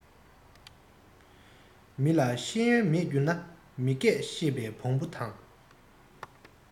མི ལ ཤེས ཡོན མེད འགྱུར ན མི སྐད ཤེས པའི བོང བུ འདྲ